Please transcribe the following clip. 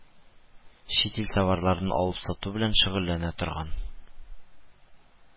Чит ил товарларын алып сату белән шөгыльләнә торган